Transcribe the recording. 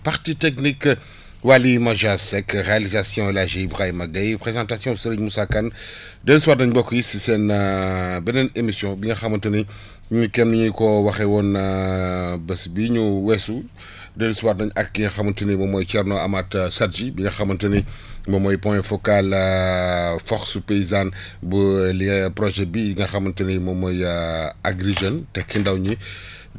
partie technique Waly Majoie Seck réalisation El Hadj Ibrahima Gueye présentation Serigne Moussa Kane dellu si waat nañ mbokk yi si seen beneen émission bi nga xamante ni muy comme ni ñu ko waxee woon b£es bii ñu weesu dellu si waat nañ ak ki nga xamante ni moom mooy Thierno Amath Sadji bi nga xamante ni moom mooy point focal force paysane bu li projet bii nga xamante ne moom mooy Agri Jeunes tekki ndaw ñi